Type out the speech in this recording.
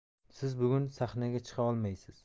siz bugun sahnaga chiqa olmaysiz